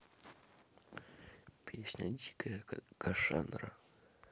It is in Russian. песня дикая кашанора